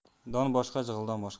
don boshqa jig'ildon boshqa